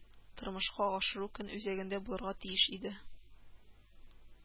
Тормышка ашыру көн үзәгендә булырга тиеш иде